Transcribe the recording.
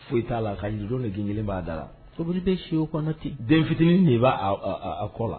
Foyi t'a la ka juru de g kelen b'a da la sobili bɛ se kɔnɔti den fitinin de b'a a kɔ la